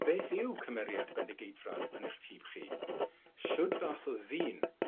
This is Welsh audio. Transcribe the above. Beth yw cymeriad Bendigeidfran yn eich tyb chi? Shwd fath o ddyn